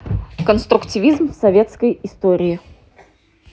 конструктивизм в советской истории